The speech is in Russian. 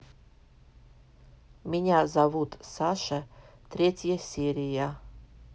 меня зовут саша третья серия